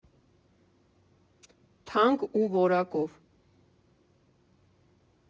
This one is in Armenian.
Թանկ ու որակով։